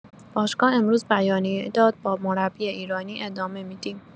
باشگاه امروز بیانیه داد با مربی ایرانی ادامه می‌دیم